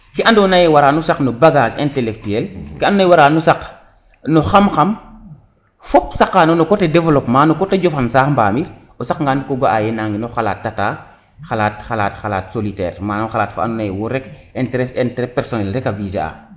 ke ando naye warano saq no bagage intelectuel ke ando naye wara no saq no xam xam fop saqano no coté déveleoppement no coté jofan saax mbamir o saqa ngan ko ga'aye nangino laxatata xalat xalat solitaire manam xalat fa and naye wo rek interet personnel